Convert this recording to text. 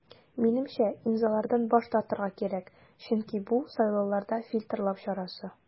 Минемчә, имзалардан баш тартырга кирәк, чөнки бу сайлауларда фильтрлау чарасы.